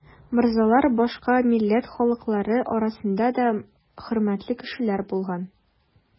Морзалар башка милләт халыклары арасында да хөрмәтле кешеләр булган.